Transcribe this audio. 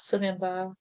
Syniad dda.